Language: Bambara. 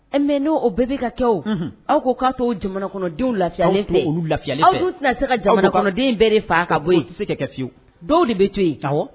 Ɔ, Mais n'o bɛɛ bɛ ka kɛ wo, unhun , aw ko k'a to jamana kɔnɔden lafiya lu lafiyalen fɛ, aw t'i lafiyalen fɛ, aw dun tɛ se ka jamana kɔnɔden bɛɛ faa ka bɔ yen, o tɛ se ka kɛ fiyew, dɔw de bɛ to yen,., awɔ.